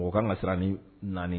O kan ka siran ni naani